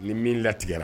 Ni min latigɛyara